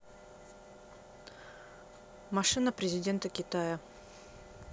машина президента китая